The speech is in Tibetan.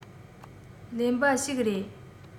ཀླེན པ ཞིག རེད